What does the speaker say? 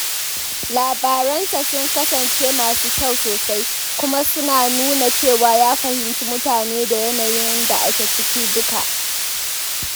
Labaransa sun kasance masu kyau sosai, kuma suna nuna cewa ya fahimci mutane da yanayin da ake ciki duka.